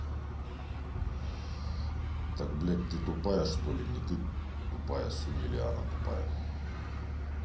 так блядь ты тупая что ли не ты тупая сунели она тупая